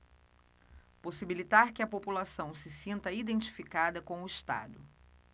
possibilitar que a população se sinta identificada com o estado